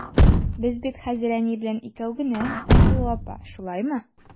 Без бит хәзер әни белән икәү генә, Айсылу апа, шулаймы?